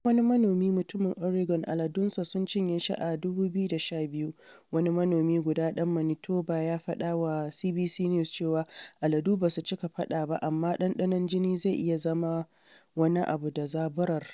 Bayan wani manomi mutumin Oregun aladunsa sun cinye shi a 2012, wani manomi guda ɗan Manitoba ya faɗa wa CBC News cewa aladu ba su cika faɗa ba amma dandanon jini zai iya zama wani “abu da zaburar.”